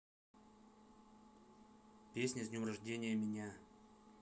песня с днем рождения меня